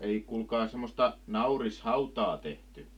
ei kuulkaa semmoista naurishautaa tehty